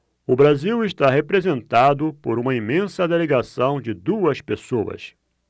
o brasil está representado por uma imensa delegação de duas pessoas